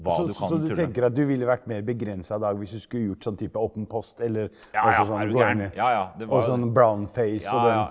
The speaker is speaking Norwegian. så så du tenker at du ville vært mer begrensa i dag hvis du skulle gjort sånn type Åpen post eller altså sånn sånn og den.